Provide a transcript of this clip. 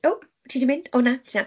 O ti 'di mynd? O na ti 'na.